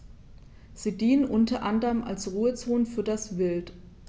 Sie dienen unter anderem als Ruhezonen für das Wild.